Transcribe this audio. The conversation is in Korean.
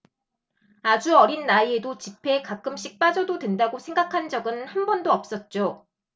아주 어린 나이에도 집회에 가끔씩 빠져도 된다고 생각한 적은 한 번도 없었죠